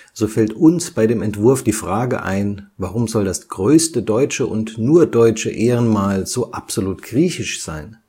so fällt uns bei dem Entwurf die Frage ein, warum soll das größte deutsche und nur deutsche Ehrenmal so absolut griechisch sein